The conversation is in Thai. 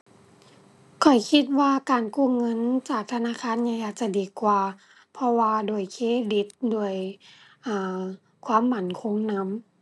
ข้อยคิดว่าการกู้เงินจากธนาคารใหญ่อาจจะดีกว่า เพราะว่าด้วยเครดิต ด้วย อ่า ความมั่นคงนำ